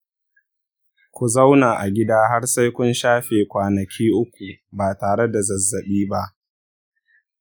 ku zauna a gida har sai kun shafe kwanaki uku ba tare da zazzabi ba.